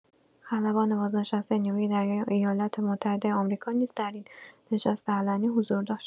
خلبان بازنشسته نیروی دریایی ایالات‌متحده آمریکا نیز در این نشست علنی حضور داشت.